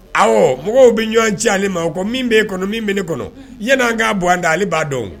Awɔ mɔgɔw bɛ ɲɔgɔn ci a ma. Ko min be kɔnɔ min be ne kɔnɔ ya ni an ka bɔ an da ale ba dɔn.